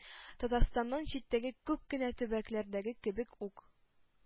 Татарстаннан читтәге күп кенә төбәкләрдәге кебек үк,